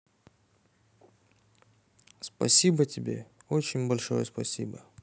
спасибо тебе очень большое спасибо